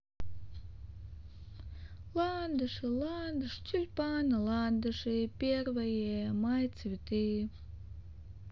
ландыши ландыши тюльпаны ландыши первые май цветы